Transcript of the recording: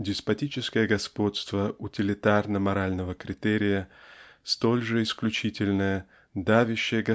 деспотическое господство утилитарно-морального критерия столь же исключительное давящее .